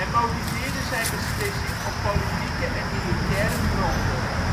motiveerde zijn beslissing op politieke en militaire gronden